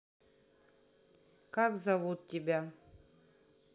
как зовут тебя